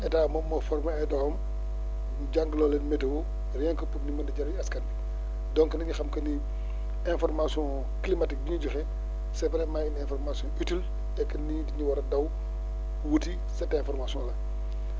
état moom moo former ay doomammu jàngloo leen météo rien que pour ñu mun a jëriñ askan bi donc nañu xam que ni information climatique bi ñuy joxe c' est vraiment une information utile et que nit ñi dañu war a daw wuti cette information là